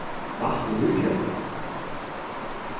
vatn er lívgevandi